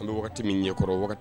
A waati min ɲɛ kɔrɔ